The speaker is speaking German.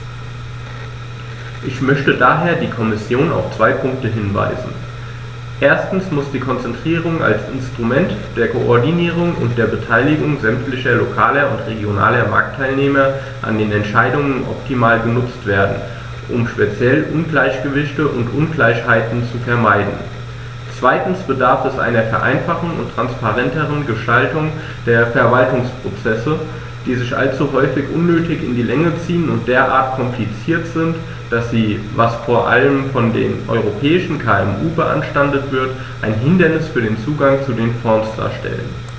Ich möchte daher die Kommission auf zwei Punkte hinweisen: Erstens muss die Konzertierung als Instrument der Koordinierung und der Beteiligung sämtlicher lokaler und regionaler Marktteilnehmer an den Entscheidungen optimal genutzt werden, um speziell Ungleichgewichte und Ungleichheiten zu vermeiden; zweitens bedarf es einer Vereinfachung und transparenteren Gestaltung der Verwaltungsprozesse, die sich allzu häufig unnötig in die Länge ziehen und derart kompliziert sind, dass sie, was vor allem von den europäischen KMU beanstandet wird, ein Hindernis für den Zugang zu den Fonds darstellen.